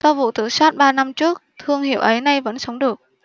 sau vụ tự sát ba năm trước thương hiệu ấy nay vẫn sống được